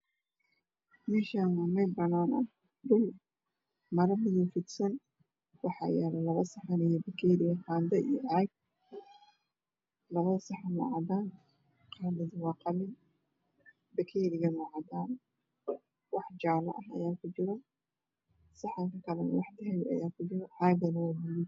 Meshan waa meel banaan ah maro madow fidsan waxaa yala laba sazan bakeeri qando iyo caag labada saxan aaa cadan galasku waa qalin bakerigana waa cadan wax jala ah ayaa ku jira wax buluga ayaa ku jira